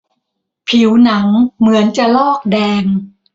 ผิวหนังเหมือนจะลอกแดง